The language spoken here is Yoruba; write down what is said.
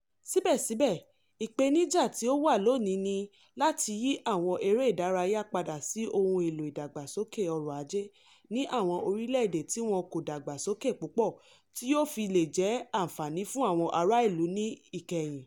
Síbẹ̀síbẹ̀, ìpèníjà tí ó wà lónìí ni láti yí àwọn eré ìdárayá padà sí ohun èlò ìdàgbàsókè ọrọ̀ ajé ní àwọn orílẹ́ èdè tí wọn kò dàgbà sókè púpọ̀ tí yóò fi lè jẹ́ àǹfààní fún àwọn ará ìlú ní ìkẹyìn.